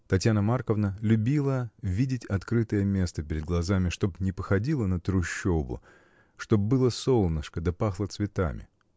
Татьяна Марковна любила видеть открытое место перед глазами, чтоб не походило на трущобу, чтоб было солнышко да пахло цветами.